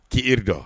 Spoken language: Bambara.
K'ieririka